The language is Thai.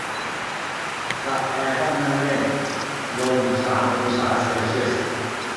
ปรับแอร์ห้องนั่งเล่นลงสามองศาเซลเซียส